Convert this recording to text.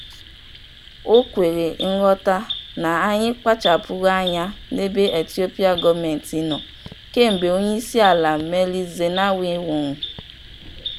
O kwere nghọta na anyị kpachapụrụ anya n'ebe Ethiopia gọọmenti nọ kemgbe onyeisiala Meles Zenawi nwụrụ.